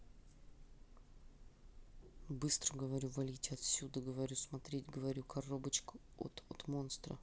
быстро говорю валите отсюда говорю смотреть говорю коробочка от от монстра